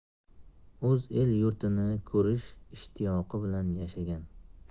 o'z el yurtini ko'rish ishtiyoqi bilan yashagan